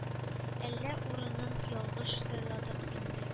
Әллә урынын ялгыш сайладык инде.